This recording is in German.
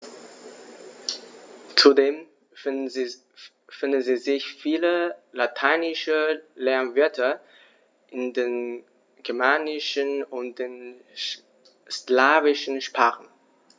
Zudem finden sich viele lateinische Lehnwörter in den germanischen und den slawischen Sprachen.